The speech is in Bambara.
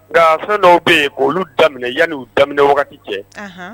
Nka fɛn dɔw bɛ yen k olu daminɛ yanni y'u daminɛ wagati cɛ